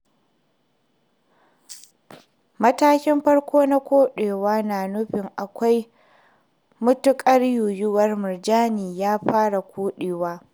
Matakin Farko na Koɗewa na nufin akwai matuƙar yiwuwar miurjani ya fara koɗewa.